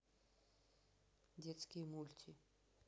детские мульти